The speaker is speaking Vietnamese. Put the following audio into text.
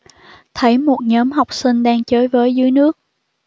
thấy một nhóm học sinh đang chới với dưới nước